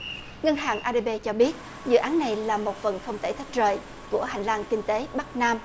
ngân hàng a đê bê cho biết dự án này là một phần không thể tách rời của hành lang kinh tế bắc nam